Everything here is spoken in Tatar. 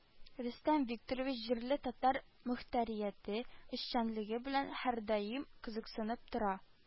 Рөстәм Викторович җирле татар мохтәрияте эшчәнлеге белән һәрдаим кызыксынып тора